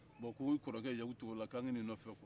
bon ko i kɔrɔkɛ yaku togola k'an ka n'i fɛ kuwa